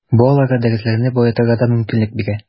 Бу аларга дәресләрне баетырга да мөмкинлек бирә.